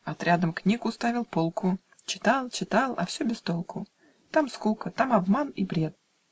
Отрядом книг уставил полку, Читал, читал, а все без толку: Там скука, там обман иль бред